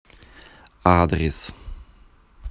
адрес